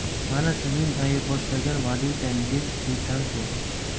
mana sizning ayirboshlagan valyutangiz kvitantsiyasi